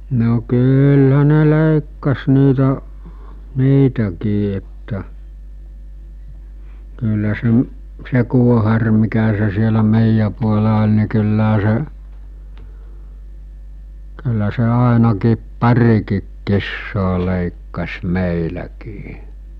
no kyllähän ne leikkasi niitä niitäkin että kyllä se se kuohari mikä se siellä meidän puolella oli niin kyllähän se kyllä se ainakin parikin kissaa leikkasi meilläkin